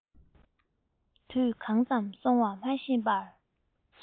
དུས གང ཙམ སོང བ མ ཤེས པར